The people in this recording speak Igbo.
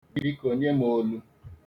Biko nye m olu.